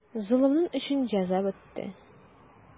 Золымың өчен җәза бетте.